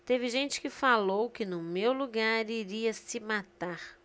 teve gente que falou que no meu lugar iria se matar